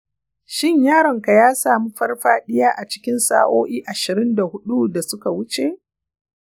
shin yaronka ya sami farfadiya a cikin sa'o'i ashirin da hudu da suka wuce